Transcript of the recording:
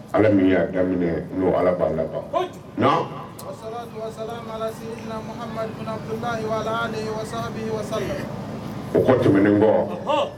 Ala min y'a n'o ala' laban ni o ko tɛmɛnen bɔ